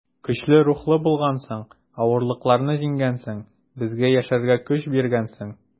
Көчле рухлы булгансың, авырлыкларны җиңгәнсең, безгә яшәргә көч биргәнсең.